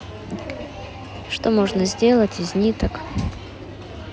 что можно сделать из ниток